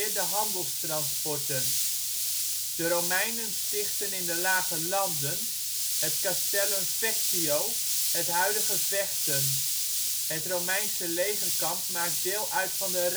de handelstransporten. De Romeinen stichtten in de Lage Landen het Castellum Fectio (huidige Vechten), het Romeinse legerkamp maakt deel uit van de